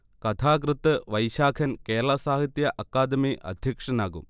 കഥാകൃത്ത് വൈശാഖൻ കേരള സാഹിത്യ അക്കാദമി അദ്ധ്യക്ഷനാകും